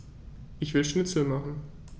Ich will Schnitzel machen.